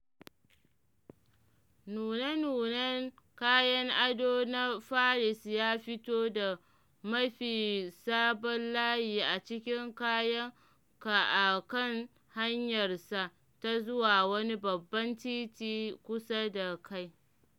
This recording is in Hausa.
Nune-nunen kayan ado na Paris ya fito da mafi sabon layi a cikin kayan ka a kan hanyarsa ta zuwa wani Babban Titi kusa da kai